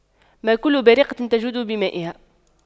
ما كل بارقة تجود بمائها